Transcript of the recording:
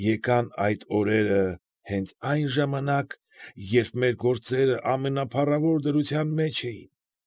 Եկան այդ օրերը հենց այն ժամանակ, երբ մեր գործերը ամենափառավոր դրության մեջ էին։